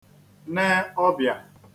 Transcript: ne ọ̄bịà